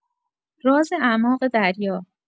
راز اعماق دریا